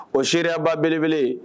O seeriyaba belebele